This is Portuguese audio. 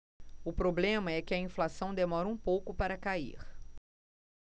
o problema é que a inflação demora um pouco para cair